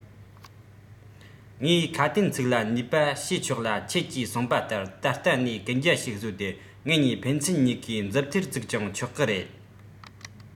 ངས ཁ དན ཚིག ལ གནས པ ཞུས ཆོག ལ ཁྱེད ཀྱིས གསུང པ ལྟར ད ལྟ ནས གན རྒྱ ཞིག བཟོས ཏེ ངེད གཉིས ཕན ཚུན གཉིས ཀའི མཛུབ ཐེལ བཙུགས ཀྱང ཆོག གི རེད